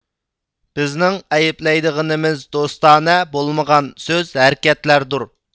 بىزنىڭ ئەيىبلەيدىغىنىمىز دوستانە بولمىغان سۆز ھەرىكەتلەردۇر